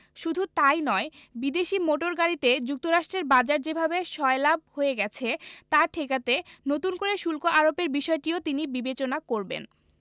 শুধু তা ই নয় বিদেশি মোটর গাড়িতে যুক্তরাষ্ট্রের বাজার যেভাবে সয়লাব হয়ে গেছে তা ঠেকাতে নতুন করে শুল্ক আরোপের বিষয়টিও তিনি বিবেচনা করবেন